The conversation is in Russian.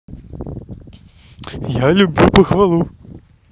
я люблю похвалу